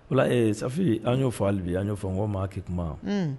Ola ee safi an'o fɔbi an'o fɔ ko maa kuma